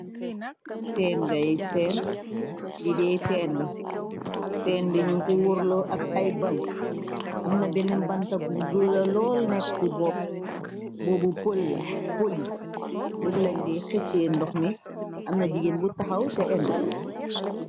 Tenn ngay seen lideey tenn tenn bi ñu ku wurlo ak ay bante amna benn banta gudula lool nekk ci bopp bo bu polla poli bo bu lañ déy xeccee ndox mi amna jigéen bu taxaw te enu.